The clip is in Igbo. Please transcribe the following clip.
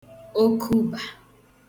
okubā